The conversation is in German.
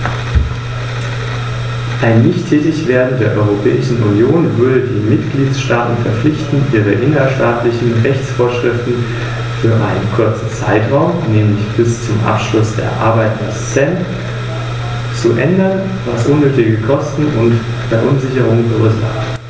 In der Strategie Europa 2020 haben wir uns vor allem auf erneuerbare Energien konzentriert, und das ist auch richtig so.